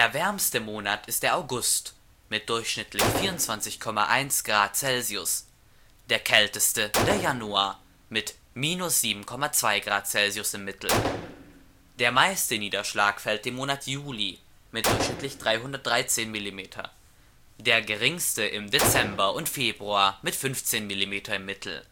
wärmste Monat ist der August mit durchschnittlich 24,1 Grad Celsius, der kälteste der Januar mit −7,2 Grad Celsius im Mittel. Der meiste Niederschlag fällt im Monat Juli mit durchschnittlich 313 Millimeter, der geringste im Dezember und Februar mit 15 Millimeter im Mittel